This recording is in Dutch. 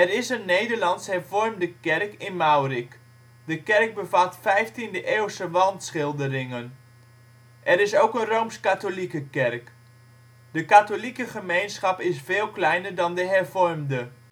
is een nederlands hervormde kerk in Maurik, de kerk bevat 15e eeuwse wandschilderingen. Er is ook een rooms-katholieke kerk. De katholieke gemeenschap is veel kleiner dan de hervormde